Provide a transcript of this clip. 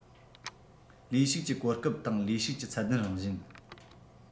ལས ཞུགས ཀྱི གོ སྐབས དང ལས ཞུགས ཀྱི ཚད ལྡན རང བཞིན